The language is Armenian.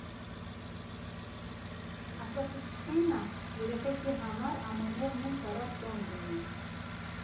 Ասածս էն ա՝ էրեխեքի համար ամեն օրն էլ կարա տոն լինի։